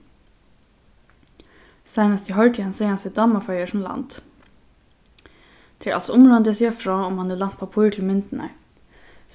seinast eg hoyrdi hann segði hann seg dáma føroyar sum land tað er altso umráðandi at siga frá um mann hevur lænt pappír til myndirnar